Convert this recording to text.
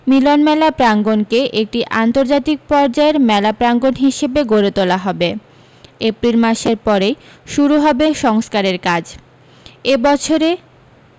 মিলনমেলা প্রাঙ্গনকে একটি আন্তর্জাতিক পর্যায়ের মেলা প্রাঙ্গন হিসাবে গড়ে তোলা হবে এপ্রিল মাসের পরেই শুরু হবে সংস্কারের কাজ এ বছরে